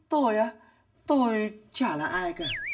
tôi á tôi chả là ai cả